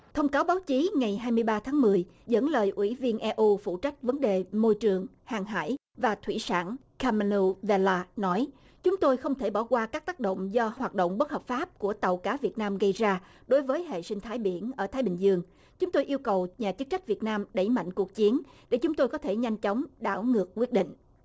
thông cáo báo chí ngày hai mươi ba tháng mười dẫn lời ủy viên e u phụ trách vấn đề môi trường hàng hải và thủy sản ca mơ nu re na nói chúng tôi không thể bỏ qua các tác động do hoạt động bất hợp pháp của tàu cá việt nam gây ra đối với hệ sinh thái biển ở thái bình dương chúng tôi yêu cầu nhà chức trách việt nam đẩy mạnh cuộc chiến để chúng tôi có thể nhanh chóng đảo ngược quyết định